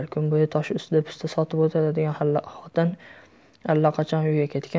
kun bo'yi tosh ustida pista sotib o'tiradigan xotin allaqachon uyiga ketgan